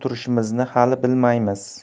kun turishimizni hali bilmaymiz